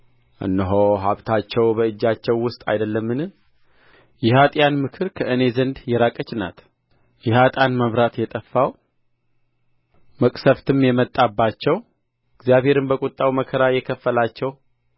እነሆ ሀብታቸው በእጃቸው ውስጥ አይደለምን የኃጥአን ምክር ከእኔ ዘንድ የራቀች ናት የኃጥአን መብራት የጠፋው መቅሠፍትም የመጣባቸው እግዚአብሔርም በቍጣው መከራ የከፈላቸው